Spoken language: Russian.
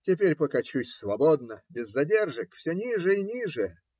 Теперь покачусь свободно, без задержек, все ниже и ниже.